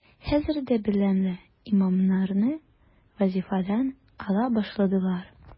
Хәзер дә белемле имамнарны вазифадан ала башладылар.